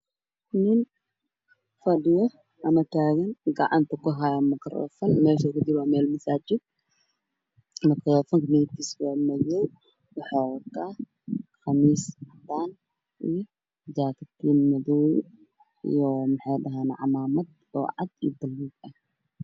Nin fadhiyo ama taagan oo gacanta ku haayo makaroofan meesha uu fadhiyo waa meel masaajid makaroofanka midabkiisu waa madow ,wuxuu wataa qamiis cadeys ah iyo jaakatiin madow ah cimaamad cadaan ah io buud